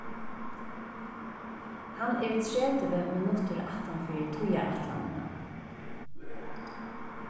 hann er tretivu minuttir aftan fyri tíðarætlanina